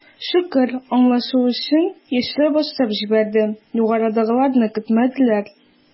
Шөкер, аңлашу эшен, яшьләр башлап җибәрде, югарыдагыларны көтмәделәр.